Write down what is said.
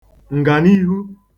ǹgànihu